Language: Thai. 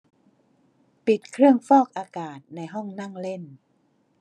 ปิดเครื่องฟอกอากาศในห้องนั่งเล่น